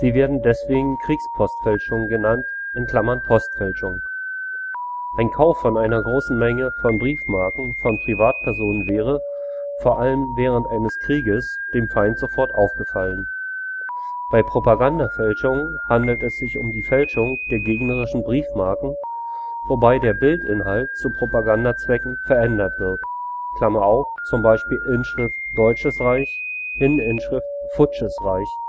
werden deswegen Kriegspostfälschungen genannt (→ Postfälschung). Ein Kauf von einer großen Menge von Briefmarken von Privatpersonen wäre, vor allem während eines Krieges, dem Feind sofort aufgefallen. Bei Propagandafälschungen handelt es sich um die Fälschung der gegnerischen Briefmarken, wobei der Bildinhalt zu Propagandazwecken verändert wird (z. B. Inschrift „ Deutsches Reich “→„ Futsches Reich